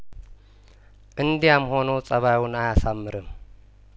እንዲያም ሆኖ ጸባዩን አያሳምርም